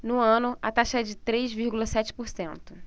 no ano a taxa é de três vírgula sete por cento